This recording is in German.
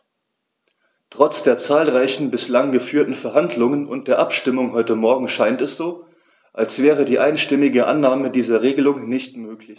Trotz der zahlreichen bislang geführten Verhandlungen und der Abstimmung heute Morgen scheint es so, als wäre die einstimmige Annahme dieser Regelung nicht möglich.